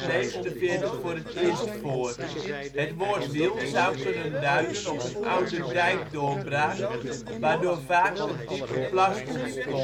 1349 voor het eerst voor. Het woord wiel zou kunnen duiden op een oude dijkdoorbraak, waardoor vaak een diepe plas ontstond. Het